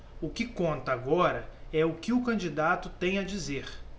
o que conta agora é o que o candidato tem a dizer